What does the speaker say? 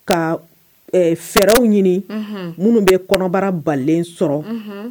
Ka ɛɛ fɛɛrɛw. Unhun. Ɲini minnu bɛ kɔnɔbara balen sɔrɔ. Unhun.